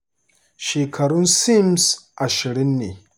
Shekarun Sims 20 ne.